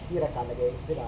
I yɛrɛ kame sira